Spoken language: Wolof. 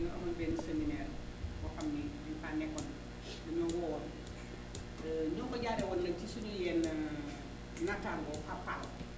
dañoo amoon benn séminaire boo xam ni dañu faa nekkoon ñu woo énoo ngi ko jaareewoon nag si suénuy yeneen naattango Fapal